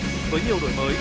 với nhiều đổi